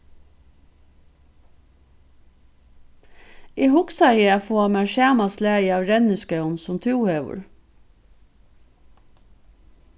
eg hugsaði at fáa mær sama slagið av renniskóm sum tú hevur